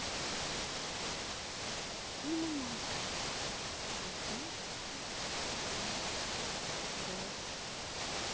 дима масленников две тысячи шестнадцатый год